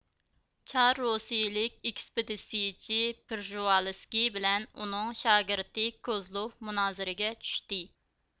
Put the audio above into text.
چاررۇسىيىلىك ئېكسپېدىتسىيىچى پېرژىۋالىسكىي بىلەن ئۇنىڭ شاگىرتى كوزلوفمۇنازىرىگە چۈشتى